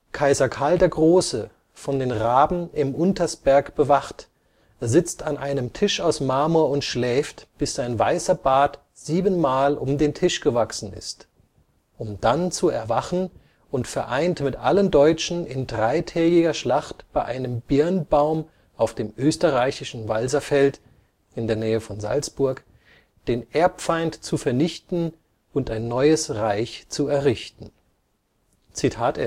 Kaiser Karl der Große, von den Raben im Untersberg bewacht, sitzt an einem Tisch aus Marmor und schläft, bis sein weißer Bart siebenmal um den Tisch gewachsen ist, um dann zu erwachen und vereint mit allen Deutschen in dreitägiger Schlacht bei einem Birnbaum auf dem österreichischen Walserfeld (in der Nähe von Salzburg) den Erbfeind zu vernichten und ein neues Reich zu errichten. “Ein